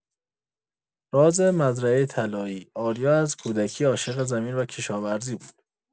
راز مزرعۀ طلایی آریا از کودکی عاشق زمین و کشاورزی بود.